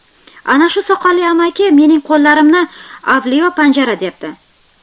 ana shu soqolli amaki mening qo'llarimni avliyo panja derdi